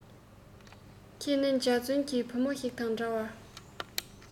ཁྱེད ནི འཇའ ཚོན གྱི བུ མོ ཞིག དང འདྲ བར